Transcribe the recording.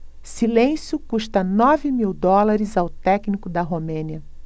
silêncio custa nove mil dólares ao técnico da romênia